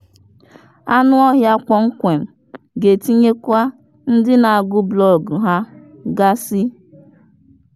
WildlifeDirect ga-etenyekwa ndị na-agụ blọọgụ ha gasị.